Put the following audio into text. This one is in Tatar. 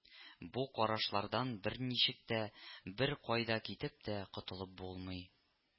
Бу карашлардан берничек тә, бер кайда китеп тә котылып булмый